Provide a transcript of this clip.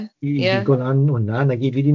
i bigo lan hwnna 'na gyd fi 'di 'neud.